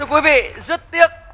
quý vị rất tiếc